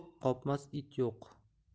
qopmas it yo'q